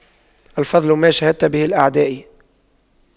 الفضل ما شهدت به الأعداء